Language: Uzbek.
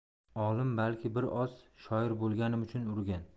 olim balki bir oz shoir bo'lganim uchun urgan